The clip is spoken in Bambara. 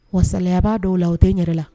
Wa salaya b'a dɔw la o te n yɛrɛ la